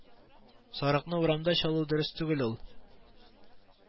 Сарыкны урамда чалу дөрес түгел ул